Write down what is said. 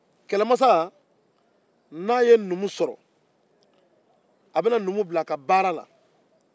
ni kɛlɛmasa ye numu sɔrɔ a bɛna numu bila a ka baara la